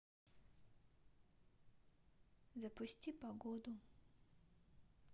запусти погоду